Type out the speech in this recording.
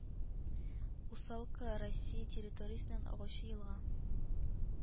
Усалка Русия территориясеннән агучы елга